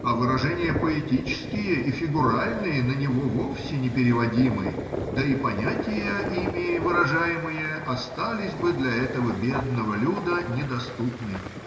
а выражения поэтические и фигуральные на него вовсе не переводимы, да и понятия, ими выражаемые, остались бы для этого бедного люда недоступны.